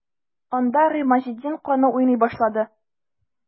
Анда Гыймазетдин каны уйный башлады.